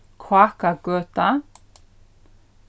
kákagøta